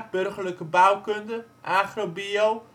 burgerlijke bouwkunde, agro-bio